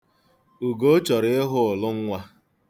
Ugoo chọrọ ịhụ ụlụ nwa.